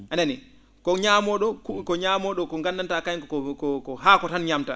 a nanii ko ñaamoo?o ku ko ñaamoo?o ko nganndantaa kañ ko ko haako tan ñaamata